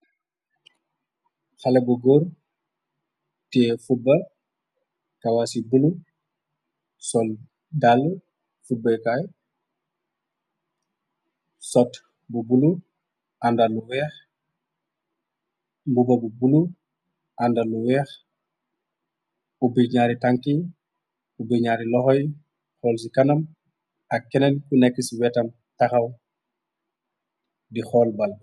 Xale bu góor tiye futbal, kawas yu bulu, sol dalle futbakaay, sot bu bulu ànda lu weex, mbuba bu bulu ànda lu weex, ubbi ñaari tank yi, ubbi ñaari loxo yi, xool ci kanam ak kenen kunekk si wetam, taxaw di xool bal.